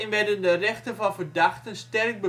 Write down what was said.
werden de rechten van verdachten sterk